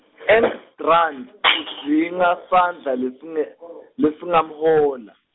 Engstrand, udzinga sandla lesinge , lesingamhola.